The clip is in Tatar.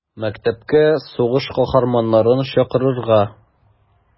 Мәктәпкә сугыш каһарманнарын чакырырга.